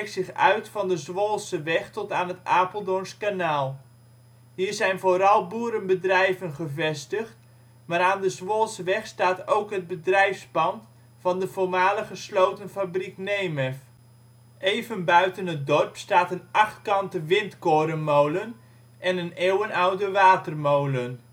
zich uit van de Zwolseweg tot aan het Apeldoorns Kanaal. Hier zijn vooral boerenbedrijven gevestigd, maar aan de Zwolseweg staat ook het bedrijfspand van de voormalige slotenfabrikant Nemef. Even buiten het dorp staat een achtkante windkorenmolen en een eeuwenoude watermolen